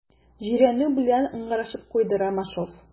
Җирәнү белән ыңгырашып куйды Ромашов.